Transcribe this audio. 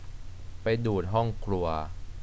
ไปดูดห้องครัว